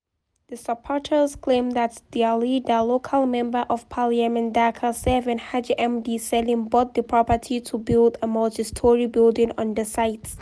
The supporters claim that their leader, local member of parliament (Dhaka-7) Haji Md. Salim, bought the property to build a multi-story building on the site.